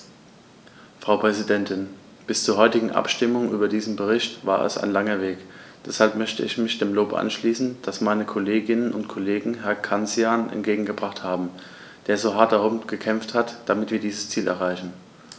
Frau Präsidentin, bis zur heutigen Abstimmung über diesen Bericht war es ein langer Weg, deshalb möchte ich mich dem Lob anschließen, das meine Kolleginnen und Kollegen Herrn Cancian entgegengebracht haben, der so hart darum gekämpft hat, damit wir dieses Ziel erreichen.